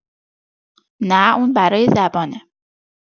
نه اون برای زبانه